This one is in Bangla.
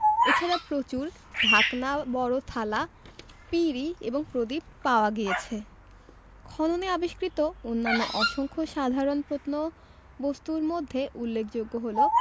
এছাড়া প্রচুর ঢাকনা বড় থালা পিঁড়ি এবং প্রদীপ পাওয়া গিয়েছে খননে আবিষ্কৃত অন্যান্য অসংখ্য সাধারণ প্রত্নবস্ত্তর মধ্যে উল্লেখযোগ্য হলো